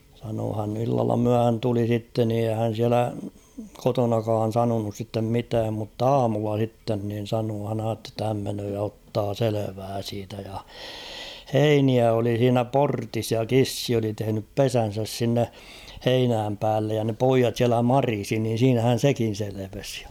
sanoi hän illalla myöhään tuli sitten niin eihän hän siellä kotonakaan sanonut sitten mitään mutta aamulla sitten niin sanoi hän ajatteli jotta hän menee ja ottaa selvää siitä ja heiniä oli siinä portissa ja kissa oli tehnyt pesänsä sinne heinän päälle ja ne pojat siellä marisi niin siinähän sekin selvisi ja